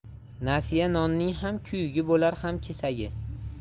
nasiya nonning ham kuyugi bo'lar ham kesagi